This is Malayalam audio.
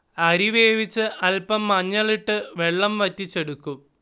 അരി വേവിച്ച് അൽപം മഞ്ഞളിട്ട് വെള്ളം വറ്റിച്ചെടുക്കും